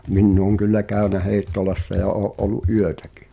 minä olen kyllä käynyt Heittolassa ja olen ollut yötäkin